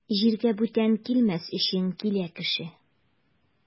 Җиргә бүтән килмәс өчен килә кеше.